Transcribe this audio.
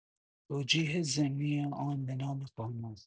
توجیه ضمنی آن به نام قانون